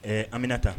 Ɛɛ anmina taa